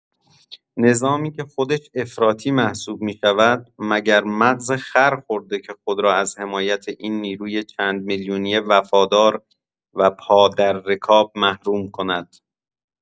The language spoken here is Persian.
نظامی که خودش افراطی محسوب می‌شود مگر مغز خر خورده که خود را از حمایت این نیروی چند میلیونی وفادار و پا در رکاب محروم کند؟